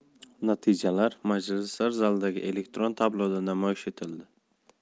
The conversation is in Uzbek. natijalar majlislar zalidagi elektron tabloda namoyish etildi